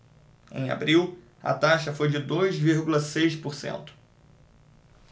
em abril a taxa foi de dois vírgula seis por cento